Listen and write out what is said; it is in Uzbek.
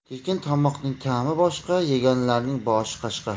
tekin tomoqning ta'mi boshqa yeganlarning boshi qashqa